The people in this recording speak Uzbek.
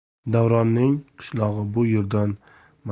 davronning qishlog'i bu yerdan